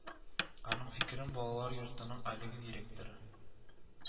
Аның фикерен балалар йортының әлеге директоры